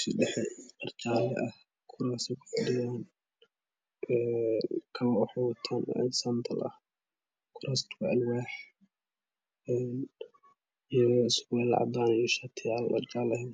jalee sirwalo cadana sharar jala kurastu waa alwax jala ah